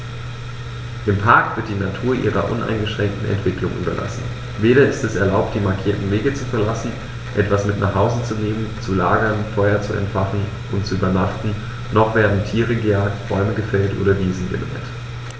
Im Park wird die Natur ihrer uneingeschränkten Entwicklung überlassen; weder ist es erlaubt, die markierten Wege zu verlassen, etwas mit nach Hause zu nehmen, zu lagern, Feuer zu entfachen und zu übernachten, noch werden Tiere gejagt, Bäume gefällt oder Wiesen gemäht.